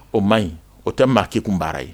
O ma ɲi o tɛ maaki kun baara ye